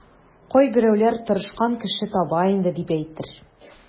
Кайберәүләр тырышкан кеше таба инде, дип әйтер.